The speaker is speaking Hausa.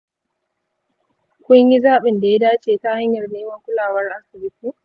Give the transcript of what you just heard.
kun yi zaɓin da ya dace ta hanyar neman kulawar asibiti.